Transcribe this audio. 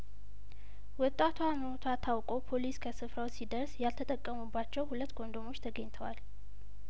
ወጣቷ መሞቷ ታውቆ ፖሊስ ከስፍራው ሲደርስ ያልተጠቀሙባቸው ሁለት ኮንዶሞች ተገኝተዋል